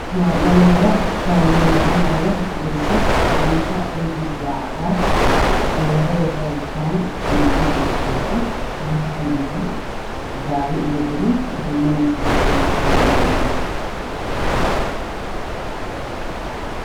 Waxaa dhalinyaro ciyaareyso banooni oo taagan garoon waxa ay xiran yihiin fanaanido jaalle iyo mudo isku jiro dhulka waa roog cagaar